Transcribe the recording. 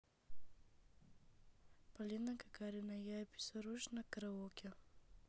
полина гагарина я обезоружена караоке